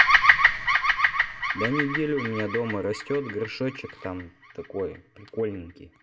да неделю у меня дома растет горшочек там такой прикольненький